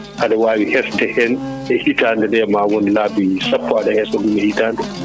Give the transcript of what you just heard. aɗa waalwi hesde hen e hitande nde ma won laabi sappo aɗa hessa ɗum e hitande